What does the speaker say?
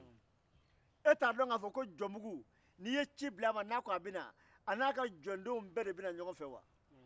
e t'a dɔn n'i ye ci bila jɔnbugu ma k'a n'a ka jɔndenw bɛɛ de be na ɲɔgɔn fɛ